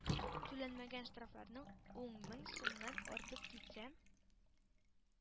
Түләнмәгән штрафларың ун мең сумнан артып китсә,